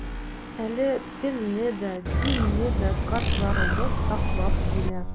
Әле телне дә, динне дә картларыбыз саклап килә.